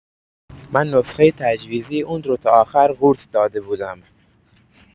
من نسخه تجویزی اون رو تا آخر قورت داده بودم.